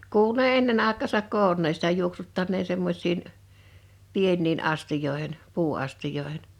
kuului ne ennen aikaansa koonneen sitä juoksuttaneen semmoisiin pieniin astioihin puuastioihin